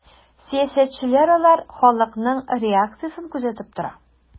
Сәясәтчеләр алар халыкның реакциясен күзәтеп тора.